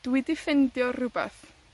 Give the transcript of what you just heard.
Dwi 'di ffindio rwbeth.